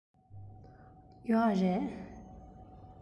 ཡོད རེད